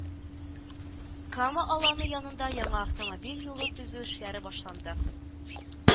Кама Аланы янында яңа автомобиль юлы төзү эшләре башланды